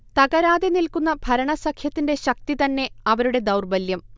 തകരാതെ നിൽക്കുന്ന ഭരണസഖ്യത്തിന്റെ ശക്തി തന്നെ അവരുടെ ദൗർബല്യം